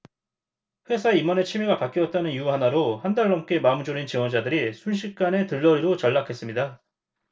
회사 임원의 취미가 바뀌었다는 이유 하나로 한 달 넘게 마음 졸인 지원자들이 순식간에 들러리로 전락했습니다